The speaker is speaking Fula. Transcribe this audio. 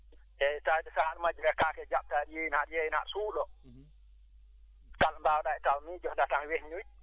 eeyi tawde so aan majjiraaɗo kaake jaab taw ƴeewino he jeyna suuɗo tan mbaɗa tan miijotoɗa tawan weññoyi